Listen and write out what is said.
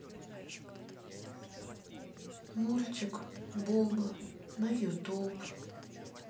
мультик буба на ютуб